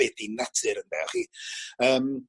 be 'di natur ynde wchi yym